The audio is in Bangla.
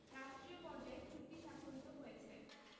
রাষ্ট্রীয় পর্যায়ে চুক্তি স্বাক্ষরিত হয়েছে